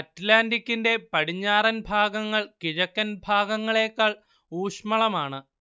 അറ്റ്ലാന്റിക്കിന്റെ പടിഞ്ഞാറൻ ഭാഗങ്ങൾ കിഴക്കൻ ഭാഗങ്ങളേക്കാൾ ഊഷ്മളമാണ്